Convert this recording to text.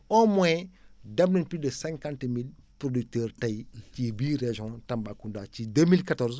au moins dem naén plus de cinquante mille producteurs tey ci biir région Tambacounda ci 2014